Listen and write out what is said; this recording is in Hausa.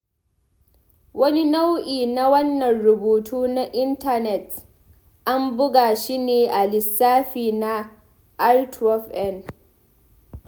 Wani nau'i na wannan rubutu na intanet an buga shi tun asali a r12n.